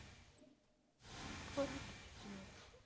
хроники чудес